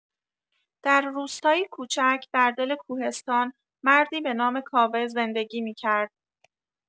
در روستایی کوچک در دل کوهستان، مردی به نام کاوه زندگی می‌کرد.